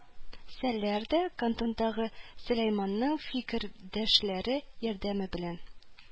Сәләр дә, кантондагы сөләйманның фикердәшләре ярдәме белән